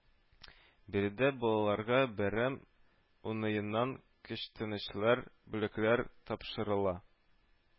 Биредә балаларга бәйрәм уңаеннан күчтәнәчләр, бүләкләр тапшырыла